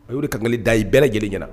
A y'o de kangari d'a ye bɛɛ lajɛlen ɲɛna